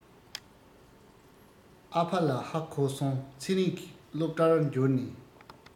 ཨ ཕ ལ ཧ གོ སོང ཚེ རིང སློབ གྲྭར འབྱོར ནས